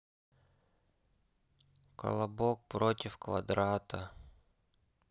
колобок против квадрата